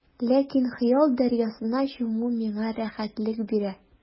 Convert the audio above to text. Ләкин хыял дәрьясына чуму миңа рәхәтлек бирә.